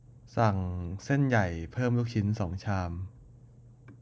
สั่งเส้นใหญ่เพิ่มลูกชิ้นสองชาม